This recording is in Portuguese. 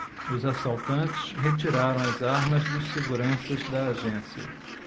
os assaltantes retiraram as armas dos seguranças da agência